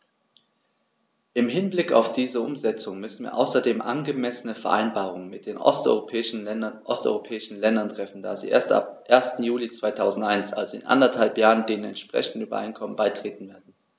Im Hinblick auf diese Umsetzung müssen wir außerdem angemessene Vereinbarungen mit den osteuropäischen Ländern treffen, da sie erst ab 1. Juli 2001, also in anderthalb Jahren, den entsprechenden Übereinkommen beitreten werden.